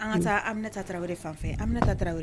An ka taa Aminata Tarawele fan fɛ Aminata Tarawele